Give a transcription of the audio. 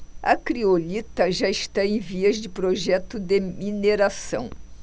a criolita já está em vias de projeto de mineração